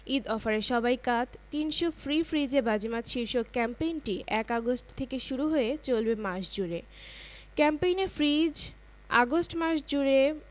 সাক্ষাতের সময়ঃসকাল ৮টা থেকে ১০টা বিকাল ৫টা থেকে ১০টা